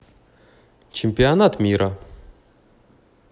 чемпионат мира